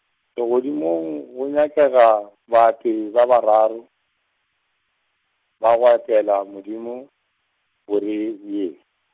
legodimong go nyakega baapei ba bararo, ba go apeela Modimo, bore ye.